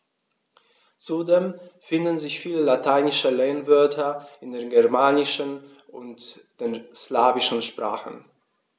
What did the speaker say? Zudem finden sich viele lateinische Lehnwörter in den germanischen und den slawischen Sprachen.